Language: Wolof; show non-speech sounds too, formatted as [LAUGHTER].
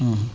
[HESITATION]